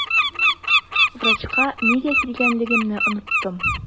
Врачка нигә килгәнлегемне оныттым.